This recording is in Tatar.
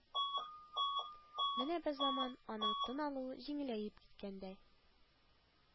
Менә берзаман аның тын алуы җиңеләеп киткәндәй